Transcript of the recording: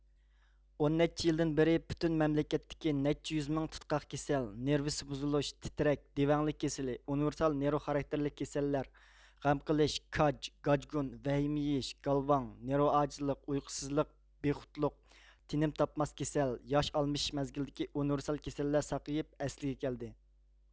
ئون نەچچە يىلدىن بېرى پۈتۈن مەملىكەتتىكى نەچچە يۈز مىڭ تۇتقاق كېسەل نېرۋىسى بۇزۇلۇش تىترەك دېۋەڭلىك كېسىلى ئۇنىۋېرسال نېرۋا خاراكتېرلىك كېسەللەر غەم قىلىش كاج گاجگۇن ۋەھىمە يېيىش گالۋاڭ نېرۋا ئاجىزلىق ئۇيقۇسىزلىق بىخۇدلۇق تىنىم تاپماس كېسەل ياش ئالمىشىش مەزگىلىدىكى ئۇنىۋېرسال كېسەللەر ساقىيىپ ئەسلىگە كەلدى